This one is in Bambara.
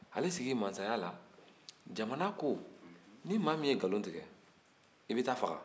ale sigilen masaya la jamana ko ni maa min ye nkalon tigɛ i bɛ taa faga